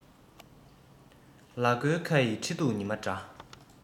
ལ མགོའི ཁ ཡི ཁྲི གདུགས ཉི མ འདྲ